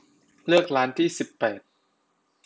เลือกร้านที่สิบแปด